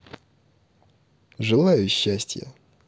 желаю счастья